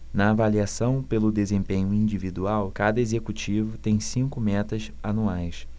na avaliação pelo desempenho individual cada executivo tem cinco metas anuais